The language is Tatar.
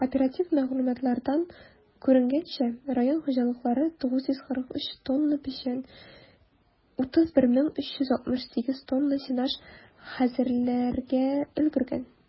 Оператив мәгълүматлардан күренгәнчә, район хуҗалыклары 943 тонна печән, 31368 тонна сенаж хәзерләргә өлгергән.